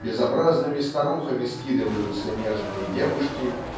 безобразными старухами скидываются нежные девушки